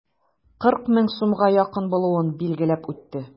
40 мең сумга якын булуын билгеләп үтте.